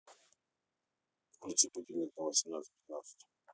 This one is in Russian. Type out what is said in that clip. включить будильник на восемнадцать пятнадцать